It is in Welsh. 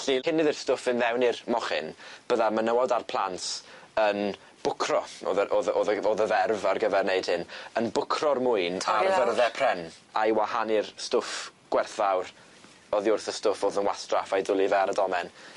Felly cyn iddi'r stwff fynd fewn i'r mochyn bydda menywod a'r plant yn bwcro o'dd yr o'dd y o'dd y o'dd y ferf ar gyfer neud hyn yn bwcro'r mwyn ar fyrdde pren a i wahanu'r stwff gwerthfawr oddi wrth y stwff o'dd yn wastraff a'i dwli fe ar y domen.